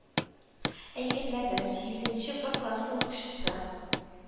Ә егетләрдән сигезенче вы классы укучысы